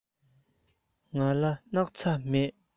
ང ལ སྣག ཚ མེད